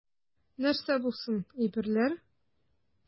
Нәрсә булсын, әйберләр.